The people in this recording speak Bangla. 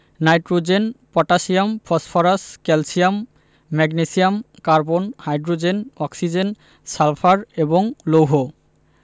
nitrogen potassium phosphorus calcium magnesium carbon hydrogen oxygen sulphur এবং লৌহ